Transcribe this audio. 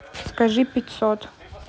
скажи пятьсот